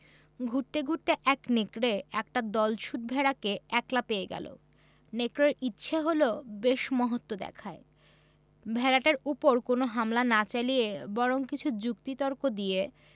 ঘুরতে ঘুরতে এক নেকড়ে একটা দলছুট ভেড়াকে একলা পেয়ে গেল নেকড়ের ইচ্ছে হল বেশ মহত্ব দেখায় ভেড়াটার উপর কোন হামলা না চালিয়ে বরং কিছু যুক্তি তক্ক দিয়ে